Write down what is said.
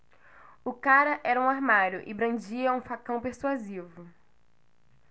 o cara era um armário e brandia um facão persuasivo